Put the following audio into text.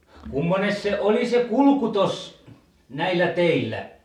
no kummoinenkas se oli se kulku tuossa näillä teillä